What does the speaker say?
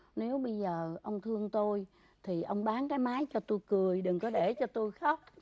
nếu bây giờ ông thương tui thì ông bán cái máy cho tui cười đừng có để cho tui khóc